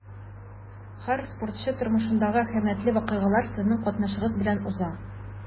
Һәр спортчы тормышындагы әһәмиятле вакыйгалар сезнең катнашыгыз белән уза.